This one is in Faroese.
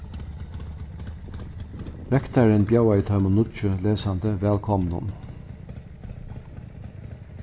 rektarin bjóðaði teimum nýggju lesandi vælkomnum